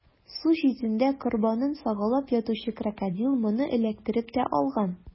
Су читендә корбанын сагалап ятучы Крокодил моны эләктереп тә алган.